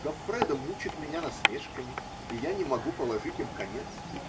Гоффредо мучит меня насмешками, и я не могу положить им конец